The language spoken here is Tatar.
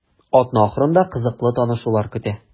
Атна ахырында кызыклы танышулар көтә.